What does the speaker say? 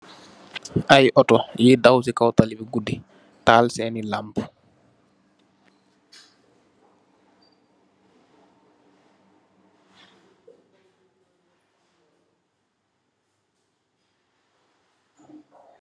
Ay auto yui daw ci kaw tali bi guddi tahal sèèn lampú yii.